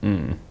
ja.